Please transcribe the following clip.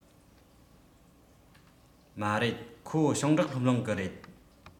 མ རེད ཁོ ཞིང འབྲོག སློབ གླིང གི རེད